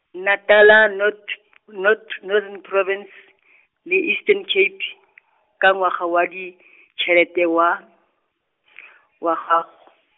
Natala North North Northern Province , le Eastern Cape , ka ngwaga wa ditshelete wa , wa gago.